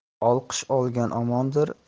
olqish olgan omondir